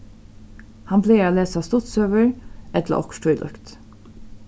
hann plagar at lesa stuttsøgur ella okkurt tílíkt